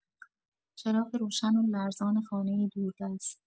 چراغ روشن و لرزان خانه‌ای دوردست